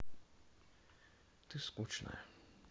ты скучная